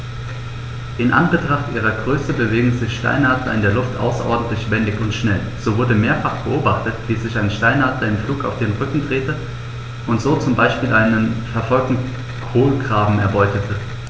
In Anbetracht ihrer Größe bewegen sich Steinadler in der Luft außerordentlich wendig und schnell, so wurde mehrfach beobachtet, wie sich ein Steinadler im Flug auf den Rücken drehte und so zum Beispiel einen verfolgenden Kolkraben erbeutete.